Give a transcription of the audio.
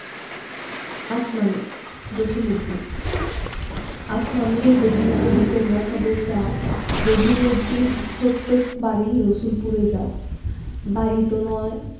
আসমানী জসিমউদ্দিন আসমানীরে দেখতে যদি তোমরা সবে চাও রহিমদ্দির ছোট্ট বাড়ি রসুলপুরে যাও বাড়িতো নয়